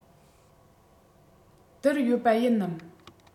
བསྡུར ཡོད པ ཡིན ནམ